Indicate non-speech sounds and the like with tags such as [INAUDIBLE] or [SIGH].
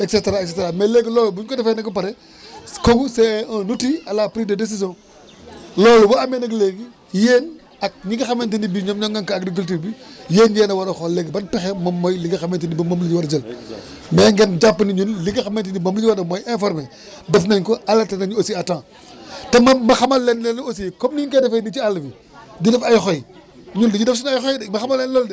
et cetera et cetera mais léegi loolu bu ñu ko defee ba pare [BREATH] comme c' est un outil à la prise de décision [CROSSTALK] loolu bu amee nag léegi yéen ak ñi nga xamante ni bi ñoom ñoo ŋànk agriculture bi yéen yéen a war a xool léegi ban pexe moom mooy li nga xamante ne bi moom la ñu war a jël [CROSSTALK] mais ngeen jàpp ne ñun li nga xamante ni moom la ñu war a def mooy informer [CROSSTALK] def nañ ko alerté nañu aussi à temps [BREATH] te man ma xamal leen ne aussi comme ni ñu koy defee nii ci àll bi di def ay xoy [CROSSTALK] ñun dañuy def sunu ay xoy de ma xamal leen loolu de